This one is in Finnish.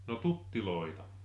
no tutteja